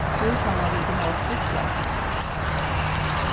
súsanna vildi hava stuttleika